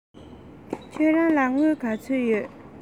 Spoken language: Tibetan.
ཁྱེད རང ལ དངུལ ག ཚོད ཡོད